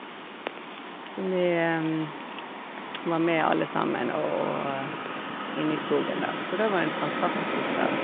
Så vi var med alle sammen og inni skogen der, så det var en fantastisk dag.